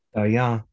Joio.